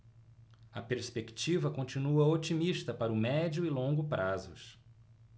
a perspectiva continua otimista para o médio e longo prazos